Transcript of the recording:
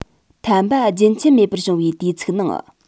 ཐན པ རྒྱུན ཆད མེད པར བྱུང བའི དུས ཚིགས ནང